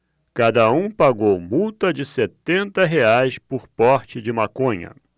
cada um pagou multa de setenta reais por porte de maconha